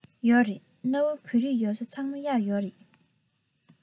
ཡོད རེད གནའ བོའི བོད རིགས ཡོད ས ཚང མར གཡག ཡོད རེད